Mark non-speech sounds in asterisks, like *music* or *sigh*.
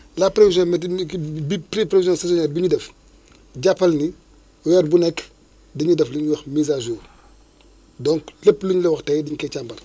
la prévision mété *hesitation* bi pri prévision saisonière bi ñu def jàppal ni weer bu nekk dañuy def li ñuy wax mise à jour donc lépp luñ la wax tey dañu ko càmbar